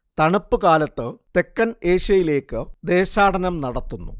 തണുപ്പുകാലത്ത് തെക്കൻ ഏഷ്യയിലേക്ക് ദേശാടനം നടത്തുന്നു